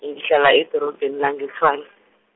e ngihlala edorobheni lange- Tshwane.